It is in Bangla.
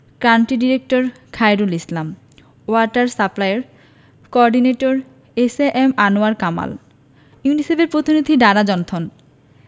country director Khairul Islam water সাপ্লাইর coordinator S M Anwar Kamal ইউনিসেফের প্রতিনিধি ডারা জনথন